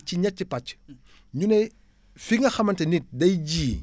ci ñetti pàcc ñu ne fi nga xamante nit day ji